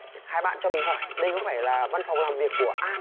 hai bạn cho mình hỏi đây có phải là văn phòng làm việc của an